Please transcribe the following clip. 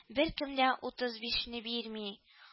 Беркем дә утыз бишне бирми